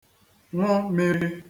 ṅụ mirī